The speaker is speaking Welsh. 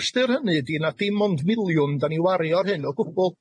Ystyr hynny ydi na dim ond miliwn 'dan ni wario ar hyn o gwbwl.